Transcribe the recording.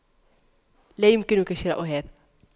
لا يمكنك شراء هذا